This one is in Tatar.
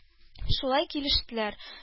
Шулай килештеләр